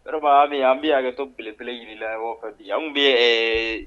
vriment am bɛ yen, an bɛ hakɛto belebele ɲinina aw fɛ n kun bɛ ɛɛ